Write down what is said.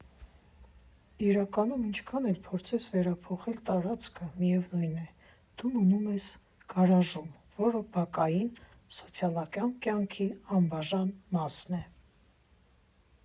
Իրականում, ինչքան էլ փորձես վերափոխել տարածքը, միևնույն է՝ դու մնում ես գարաժում, որը բակային սոցիալական կյանքի անբաժան մասն է։